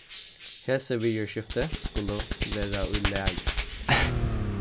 hesi viðurskifti skulu vera í lagi